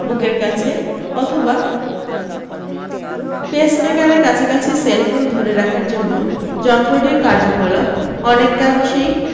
বুকের কাছে অথবা পেসমেকারের কাছাকাছি সেলফোন ধরে থাকার জন্যে যন্ত্রটির কার্যকলাপ অনেকাংশই